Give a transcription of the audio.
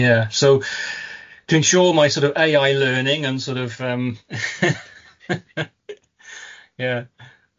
Ie so dwi'n siŵr mae sort of Ay I learning yn sor' of yym yeah